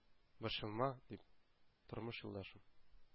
«борчылма, дип, тормыш юлдашым,